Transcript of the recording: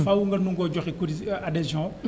faaw nga nangoo joxe cotis adhesion